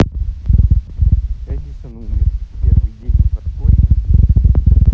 эдисон умер в первый день в хардкоре видео